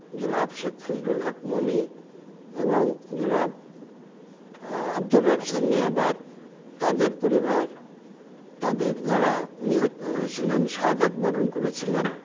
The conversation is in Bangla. জনাব শেখ ফজলুল হক মনি এবং জনাব আবদুর রব সেরনিয়াবাত তাদের পরিবার তাদের যারা নিহত হয়েছিলেন শাহাদাত বরণ করেছিলেন